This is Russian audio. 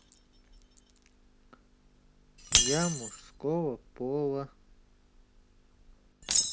я мужского пола